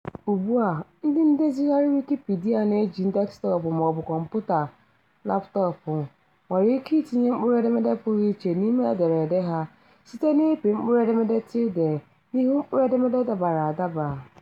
Ugbua ndị ndezigharị Wikipedia na-eji desktọpụ maọbụ kọmpụta laptọọpụ nwere ike itinye mkpụrụedemede pụrụ iche n'ime ederede ha site n'ịpị mkpụrụedemede tilde (~) n'ihu mkpụrụedemede dabara adaba.